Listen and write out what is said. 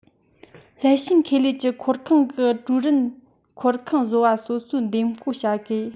སླད ཕྱིན ཁེ ལས ཀྱི འཁོར ཁང གི ཀྲུའུ རེན འཁོར ཁང བཟོ བ སོ སོའི འདེམས བསྐོ བྱ དགོས